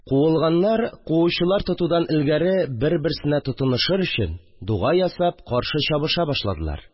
Куылганнар, куучылар тотудан элгәре бер-берсенә тотынышыр өчен, дуга ясап, каршы чабыша башладылар